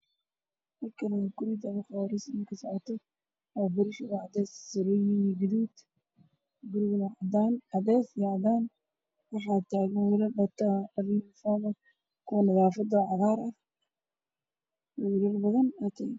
Waa guri dhismo ka socda waxaa jooga niman waxa ay wataan dhar cagaar ah bere ayaa ka tagtaaganayaa waxay guriga